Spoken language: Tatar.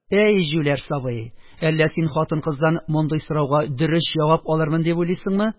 «әй җүләр сабый... әллә син хатын-кыздан мондый сорауга дөрес җавап алырмын дип уйлыйсыңмы?»